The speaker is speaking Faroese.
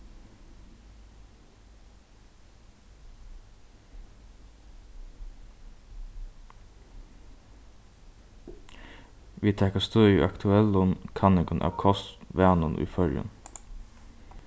vit taka støði í aktuellum kanningum av kostvanum í føroyum